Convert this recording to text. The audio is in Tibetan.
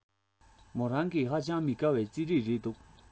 མོ རང གི ཧ ཅང མི དགའ བའི རྩིས རིགས རེད འདུག